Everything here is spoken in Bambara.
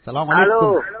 Kalan ko